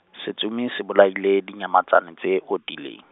setsomi se bolaile, di nyamatsana tse, otileng.